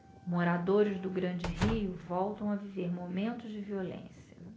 moradores do grande rio voltam a viver momentos de violência